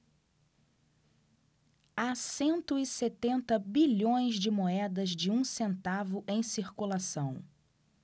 há cento e setenta bilhões de moedas de um centavo em circulação